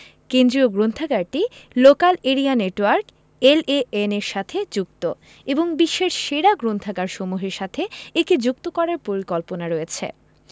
কেন্দ্রীয় গ্রন্থাগারটি local area network L A N এর সাথে যুক্ত এবং বিশ্বের সেরা গ্রন্থাগারসমূহের সাথে একে যুক্ত করার পরিকল্পনা রয়েছে